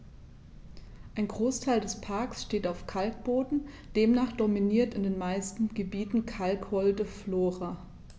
Ein Großteil des Parks steht auf Kalkboden, demnach dominiert in den meisten Gebieten kalkholde Flora.